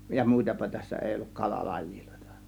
ja muitapa tässä ei ollut - kalalajeja